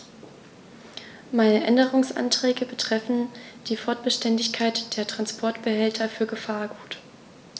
Meine Änderungsanträge betreffen die Frostbeständigkeit der Transportbehälter für Gefahrgut.